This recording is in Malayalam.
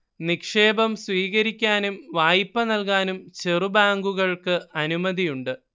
നിക്ഷേപം സീകരിക്കാനും വായ്പ നൽക്കാനും ചെറു ബാങ്കുകൾക്ക് അനുമതിയുണ്ട്